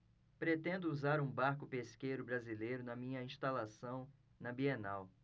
pretendo usar um barco pesqueiro brasileiro na minha instalação na bienal